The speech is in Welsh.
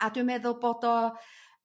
a dwi'n meddwl bod o